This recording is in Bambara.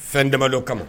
Fɛn dama dɔ kama.